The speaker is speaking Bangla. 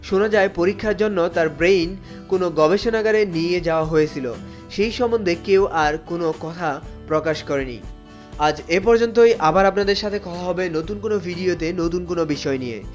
শোনা যায় পরীক্ষার জন্য তার ব্রেইন কোন গবেষণাগারে নিয়ে যাওয়া হয়েছিল সেই সম্বন্ধে কেউ আর কোন কথা প্রকাশ করে নি আজ এ পর্যন্তই আবার আপনাদের সাথে কথা হবে নতুন কোন ভিডিওতে নতুন কোন বিষয় নিয়ে